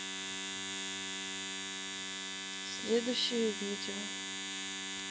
следующее видео